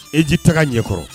Heji taga ɲɛkɔrɔ